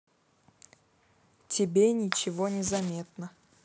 тебе ничего не заметно